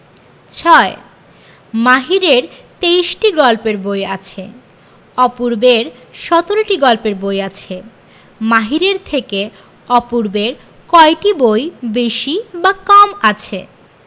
৬ মাহিরের ২৩টি গল্পের বই আছে অপূর্বের ১৭টি গল্পের বই আছে মাহিরের থেকে অপূর্বের কয়টি বই বেশি বা কম আছে